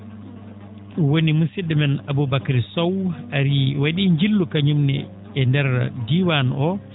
woni musid?o men Aboubacary Sow arii wa?ii jillu kañumne e ndeer diiwan oo